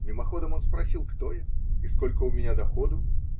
Мимоходом он спросил, кто я и сколько у меня доходу